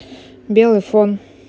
белый фон